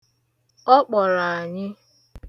Ọ kpọrọ anyị.